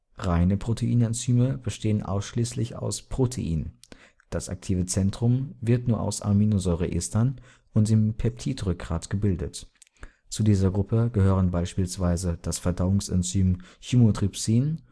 Reine Protein-Enzyme bestehen ausschließlich aus Protein, das aktive Zentrum wird nur aus Aminosäureresten und dem Peptidrückgrat gebildet. Zu dieser Gruppe gehören beispielsweise das Verdauungsenzym Chymotrypsin